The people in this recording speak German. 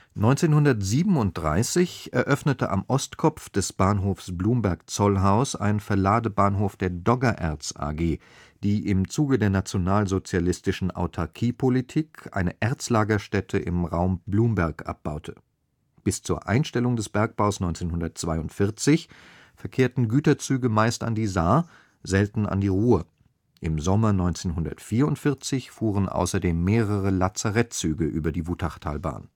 1937 eröffnete am Ostkopf des Bahnhofs Blumberg-Zollhaus ein Verladebahnhof der Doggererz AG, die im Zuge der nationalsozialistischen Autarkiepolitik eine Erzlagerstätte im Raum Blumberg abbaute. Bis zur Einstellung des Bergbaus 1942 verkehrten Güterzüge meist an die Saar, selten an die Ruhr. Im Sommer 1944 fuhren außerdem mehrere Lazarettzüge über die Wutachtalbahn